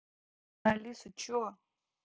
алиса че